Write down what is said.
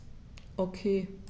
Okay.